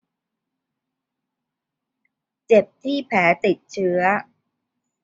เจ็บที่แผลติดเชื้อ